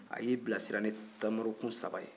a y'i bilasira ni tamaro kun saba ye